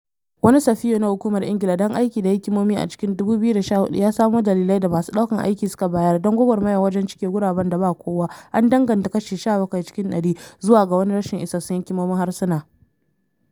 Wani safiyo na Hukumar Ingila don Aiki da Hikimomi a cikin 2014 ya samo dalilai da masu ɗaukan aiki suka bayar don gwagwarmaya wajen cike guraben da ba kowa, an danganta kashi 17 cikin ɗari zuwa ga wani rashin isassun hikimomin harsuna.